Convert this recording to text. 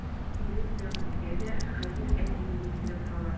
Ирем Нәгыймгә дә хәзер әтием дип кенә торалар.